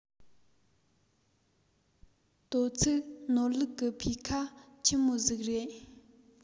དོ ཚིགས ནོར ལུག གི འཕེས ཁ ཆི མོ ཟིག རེད